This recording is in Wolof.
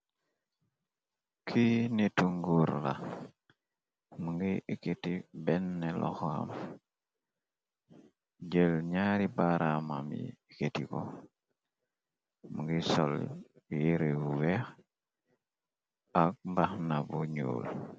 ki nitu nguur la mu ngiy ekiti benn loxo am jël ñaari baraamam yi eketi ko mu ngiy sol yerebu weex ak mbaxna bu njoul